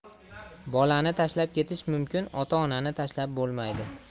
bolani tashlab ketish mumkin ota onani tashlab bo'lmaydi